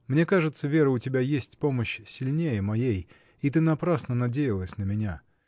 — Мне кажется, Вера, у тебя есть помощь сильнее моей: и ты напрасно надеялась на меня.